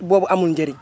boobu amul njëriñ